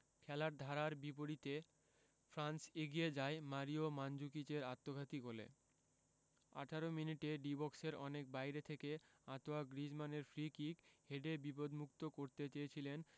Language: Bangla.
খেলার ধারার বিপরীতে ফ্রান্স এগিয়ে যায় মারিও মানজুকিচের আত্মঘাতী গোলে ১৮ মিনিটে ডি বক্সের অনেক বাইরে থেকে আঁতোয়া গ্রিজমানের ফ্রিকিক হেডে বিপদমুক্ত করতে চেয়েছিলেন